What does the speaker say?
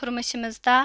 تۇرمۇشىمىزدا